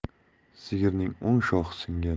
sigirining o'ng shoxi singan